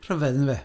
Rhyfedd, yndyfe.